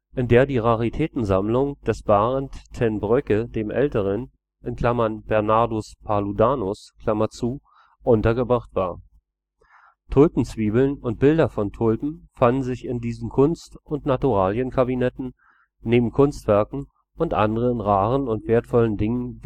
in der die Raritätensammlung des Barent ten Broecke d.Ä. (Bernardus Paludanus) untergebracht war. Tulpenzwiebeln und Bilder von Tulpen fanden sich in diesen Kunst - und Naturalienkabinetten neben Kunstwerken und anderen raren und wertvollen Dingen